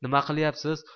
nima qilayapsiz